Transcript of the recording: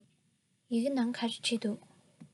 ཡི གེའི ནང ག རེ བྲིས འདུག